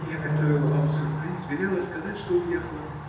Я готовила вам сюрприз: велела сказать, что уехала.